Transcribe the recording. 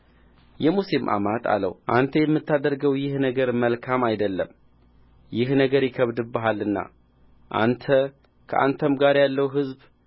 የሙሴም አማት አለው አንተ የምታደርገው ይህ ነገር መልካም አይደለም ይህ ነገር ይከብድብሃልና አንተ ከአንተም ጋር ያለው ሕዝብ